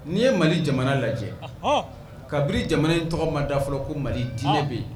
N'i ye mali jamana lajɛ kari jamana in tɔgɔ ma dafa fɔlɔ ko mali di bɛ yen